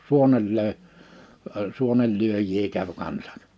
suonen löi - suonenlyöjiä kävi kanssa